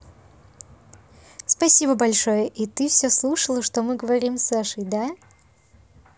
спасибо большое и ты все слушала что мы говорим с сашей да